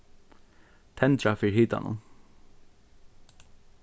tendra fyri hitanum